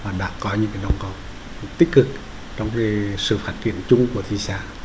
họ đã có những cái đóng góp tích cực trong cái sự phát triển chung của thị xã